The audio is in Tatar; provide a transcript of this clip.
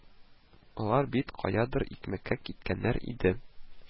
Алар бит каядыр икмәккә киткәннәр иде